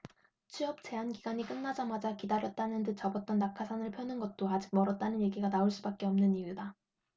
취업제한 기간이 끝나자마자 기다렸다는 듯 접었던 낙하산을 펴는 것도 아직 멀었다는 얘기가 나올 수밖에 없는 이유다